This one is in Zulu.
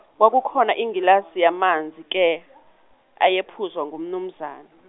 kwakukhona ingilazi yamanzi ke, ayephuzwa ngumnumzane.